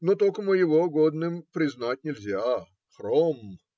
Но только моего годным признать нельзя - хром.